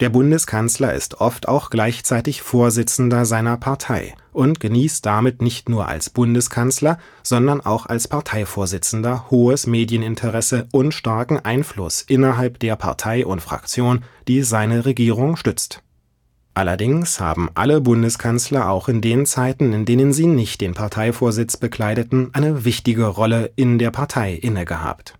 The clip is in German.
Bundeskanzler ist oft auch gleichzeitig Vorsitzender seiner Partei (Adenauer 1950 – 1963, Erhard 1966, Kiesinger 1967 – 1969, Kohl 1982 – 1998 und Merkel seit 2005 in der CDU; Brandt 1969 – 1974 und Schröder 1999 – 2004 in der SPD) und genießt damit nicht nur als Bundeskanzler, sondern auch als Parteivorsitzender hohes Medieninteresse und starken Einfluss innerhalb der Partei und Fraktion, die seine Regierung stützt. Allerdings haben alle Bundeskanzler auch in den Zeiten, in denen sie nicht den Parteivorsitz bekleideten, eine wichtige Rolle in der Partei innegehabt